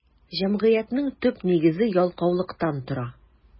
Җәмгыятьнең төп нигезе ялкаулыктан тора.